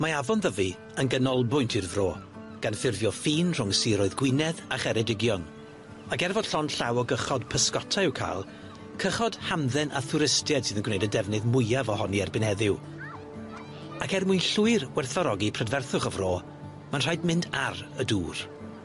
Mae Afon Ddyfi yn ganolbwynt i'r fro, gan ffurfio ffin rhwng siroedd Gwynedd a Cheredigion, ac er fod llond llaw o gychod pysgota i'w ca'l, cychod hamdden a thwristied sydd yn gwneud y defnydd mwyaf ohoni erbyn heddiw, ac er mwyn llwyr werthfawrogi prydferthwch y fro, ma'n rhaid mynd ar y dŵr.